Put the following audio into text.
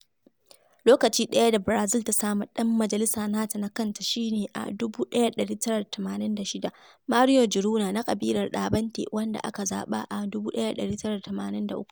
Lokaci ɗaya da Barazil ta samu ɗan majalisa nata na kanta shi ne a 1986 - Mario Juruna, na ƙabilar ɗaɓante, wanda aka zaɓa a 1983.